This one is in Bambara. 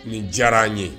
Nin diyara n ye